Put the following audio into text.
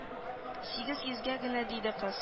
Сигез йөзгә генә диде кыз